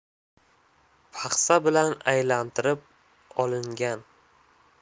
paxsa bilan aylantirib olingan